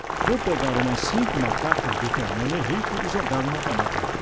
vou pegar umas cinco macacas do fernando henrique e jogar numa panela